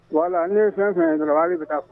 Wala ni ye fɛn fɛn dɔrɔn b bɛ bɛ taa